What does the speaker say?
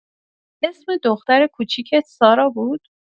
اسم دختر کوچیکت سارا بود؟